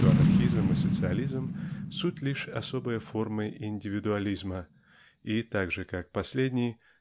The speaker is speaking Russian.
что анархизм и социализм суть лишь особые формы индивидуализма и так же как последний